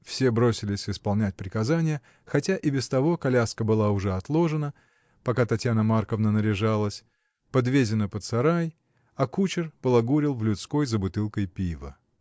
Все бросились исполнять приказание, хотя и без того коляска была уже отложена, пока Татьяна Марковна наряжалась, подвезена под сарай, а кучер балагурил в людской за бутылкой пива.